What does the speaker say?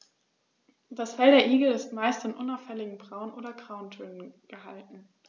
Das Fell der Igel ist meist in unauffälligen Braun- oder Grautönen gehalten.